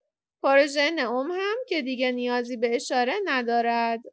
پروژه نئوم هم که دیگر نیازی به اشاره ندارد.